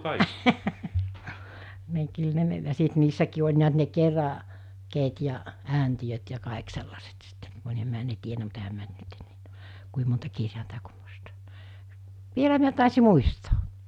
niin kyllä ne ja sitten niissäkin oli näet ne - kerakkeet ja ääntiöt ja kaikki sellaiset sitten minä ne tiennyt mutta enhän minä kuin monta kirjainta vielä minä taisin muistaa